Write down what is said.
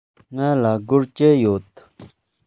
ང ལ སྒོར བཅུ ཡོད